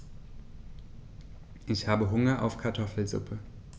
Ich habe Hunger auf Kartoffelsuppe.